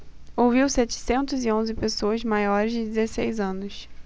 ouviu setecentos e onze pessoas maiores de dezesseis anos